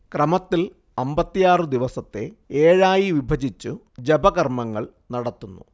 ക്രമത്തിൽ അമ്പത്തിയാറു ദിവസത്തെ ഏഴായി വിഭജിച്ച് ജപകർമങ്ങൾ നടത്തുന്നു